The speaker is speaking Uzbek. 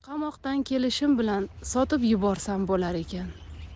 qamoqdan kelishim bilan sotib yuborsam bo'lar ekan